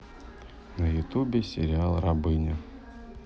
на ютубе сериал рабыня